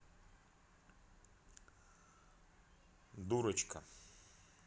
дурочка